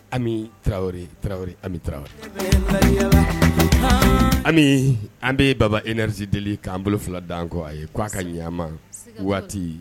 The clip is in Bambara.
AmiTarawele Tarawele Ami Tarawele. Ami an bɛ baba énergie dɛli k'an bolo fila d'an kɔ a ye k'a ka ɲ'an ma. Waati